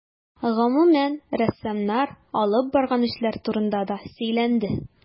Гомүмән, рәссамнар алып барган эшләр турында да сөйләнде.